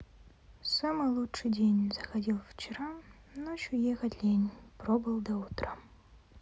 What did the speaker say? самый лучший день заходил вчера ночью ехать лень пробыл до утра